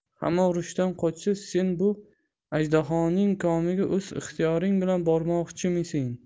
hamma urushdan qochsa sen bu ajdahoning komiga o'z ixtiyoring bilan bormoqchisen